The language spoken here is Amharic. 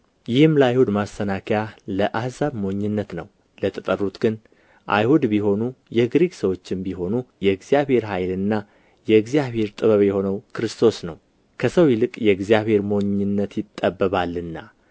ይህም ለአይሁድ ማሰናከያ ለአሕዛብም ሞኝነት ነው ለተጠሩት ግን አይሁድ ቢሆኑ የግሪክ ሰዎችም ቢሆኑ የእግዚአብሔር ኃይልና የእግዚአብሔር ጥበብ የሆነው ክርስቶስ ነው ከሰው ይልቅ የእግዚአብሔር ሞኝነት ይጠበባልና